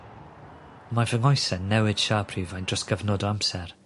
Ma' fy nghoese'n newid siâp rhywfaint dros gyfnod o amser.